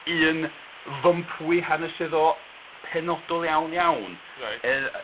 ..Un fympwy hanesyddol penodol iawn, iawn... Reit... Yy.